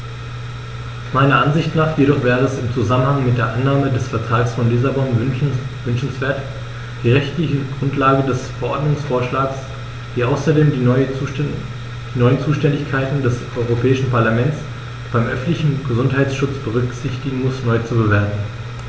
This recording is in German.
Meiner Ansicht nach jedoch wäre es im Zusammenhang mit der Annahme des Vertrags von Lissabon wünschenswert, die rechtliche Grundlage des Verordnungsvorschlags, die außerdem die neuen Zuständigkeiten des Europäischen Parlaments beim öffentlichen Gesundheitsschutz berücksichtigen muss, neu zu bewerten.